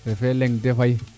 refe leŋ de Faye